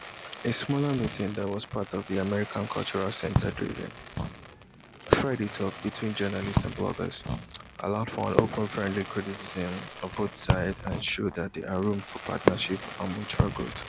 A smaller meeting that was part of the American Cultural Center-driven “Friday talk” between journalists and bloggers allowed for an open friendly criticism of both sides and showed that there are room for partnership and mutual growth.